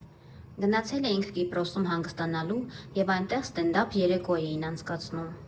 Գնացել էինք Կիպրոսում հանգստանալու և այնտեղ ստենդափ երեկո էին անցկացնում։